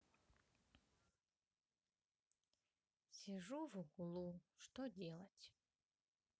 сижу в углу что делать